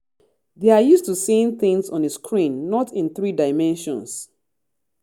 They’re used to seeing things on a screen, not in three-dimensions.